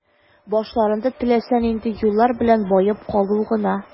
Башларында теләсә нинди юллар белән баеп калу гына.